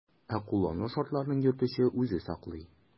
Ә кулланылу шартларын йөртүче үзе сайлый.